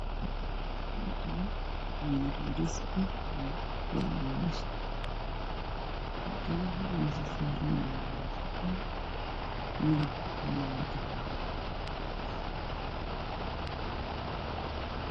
Waa laba dhagood ka lahoodii yahay dahabi saaraan miis cadaan